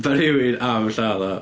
Ma' rywun am lladd o.